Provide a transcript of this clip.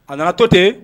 A nana to ten